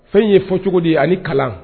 Fɛn ye fɔ cogo di ye ani kalan